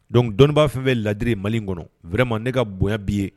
Donc dɔnnibaa fɛn o fɛn ye ladiri Mali in kɔnɔ vraiment ne ka wɛrɛ ma ne ka bonya b'i ye